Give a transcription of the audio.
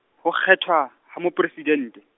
ho kgethwa, ha mopresidente.